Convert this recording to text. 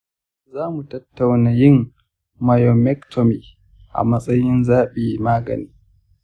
za mu tattauna yin myomectomy a matsayin zaɓin magani.